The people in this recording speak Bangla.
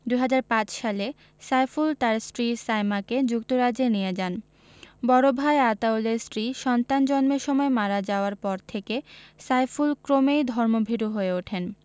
২০০৫ সালে সাইফুল তাঁর স্ত্রী সায়মাকে যুক্তরাজ্যে নিয়ে যান বড় ভাই আতাউলের স্ত্রী সন্তান জন্মের সময় মারা যাওয়ার পর থেকে সাইফুল ক্রমেই ধর্মভীরু হয়ে ওঠেন